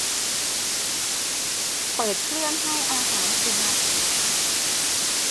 เปิดเครื่องให้อาหารสุนัข